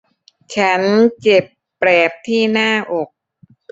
ฉันเจ็บแปลบที่หน้าอก